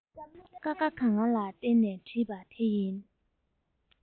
ཀ ཁ ག ང ལ བརྟེན ནས བྲིས པ དེ ཡིན